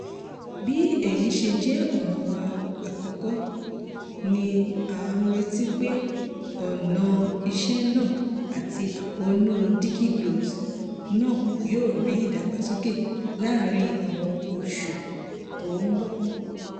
Bí èyí ṣe jẹ́ ọ̀ràn wa àkọ́kọ́, a ní ìrètí pé ọ̀nà ìṣe náà àti àkóónú DigiGlot náà yóò rí ìdàgbàsókè láàárín àwọn oṣù tí ó ń bọ̀.